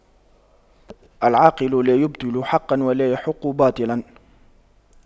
العاقل لا يبطل حقا ولا يحق باطلا